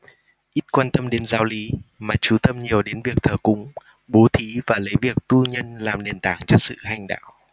ít quan tâm đến giáo lý mà chú tâm nhiều đến việc thờ cúng bố thí và lấy việc tu nhân làm nền tảng cho sự hành đạo